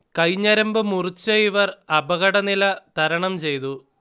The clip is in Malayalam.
കൈഞരമ്പ് മുറിച്ച ഇവർ അപകടനില തരണം ചെയ്തു